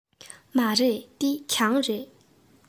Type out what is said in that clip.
མ རེད འདི གྱང རེད